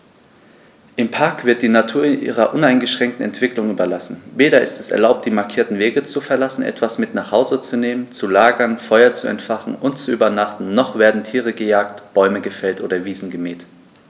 Im Park wird die Natur ihrer uneingeschränkten Entwicklung überlassen; weder ist es erlaubt, die markierten Wege zu verlassen, etwas mit nach Hause zu nehmen, zu lagern, Feuer zu entfachen und zu übernachten, noch werden Tiere gejagt, Bäume gefällt oder Wiesen gemäht.